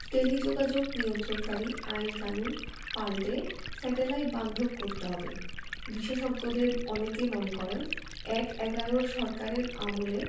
টেলিযোগাযোগ নিয়ন্ত্রণকারী আইনকানুন পাল্টে স্যাটেলাইট বান্ধব করতে হবে বিশেষজ্ঞদের অনেকে মনে করেন এক–এগারোর সরকারের আমলে